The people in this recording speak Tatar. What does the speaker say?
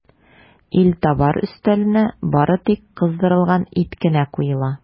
Илтабар өстәленә бары тик кыздырылган ит кенә куела.